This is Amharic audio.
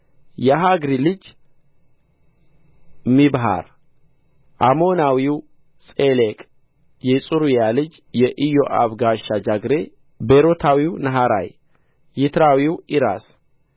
የሐግሪ ልጅ ሚብሐር አሞናዊው ጼሌቅ የጽሩያ ልጅ የኢዮአብ ጋሻ ጃግሬ ቤሮታዊው ነሃራይ ይትራዊው ዒራስ